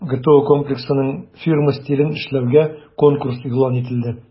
ГТО Комплексының фирма стилен эшләүгә конкурс игълан ителде.